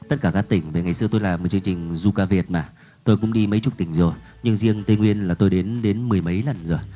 tất cả các tỉnh vì ngày xưa tôi làm chương trình du ca việt mà tôi cũng đi mấy chục tình rồi nhưng riêng tây nguyên là tôi đến đến mười mấy lần rồi